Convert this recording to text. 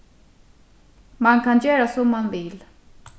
mann kann gera sum mann vil